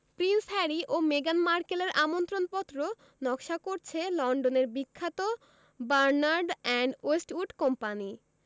Prince Harry ও মেগান মার্কেলের আমন্ত্রণপত্র নকশা করছে লন্ডনের বিখ্যাত বার্নার্ড অ্যান্ড ওয়েস্টউড কোম্পানি